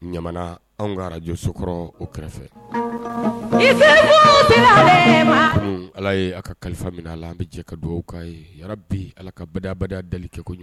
Ɲamana anw ka radio so kɔrɔ, o kɛrɛfɛ. Kunu, Ala ye a ka kalifa minɛ a la, an bɛ jɛn ka duwawu k'a ye. Ya rabi! Ala ka bada bada dalen kɛ ko